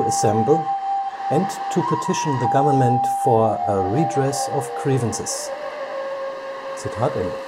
assemble, and to petition the Government for a redress of grievances.”